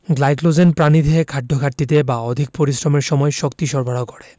glycogen প্রাণীদেহে খাদ্যঘাটতিতে বা অধিক পরিশ্রমের সময় শক্তি সরবরাহ করে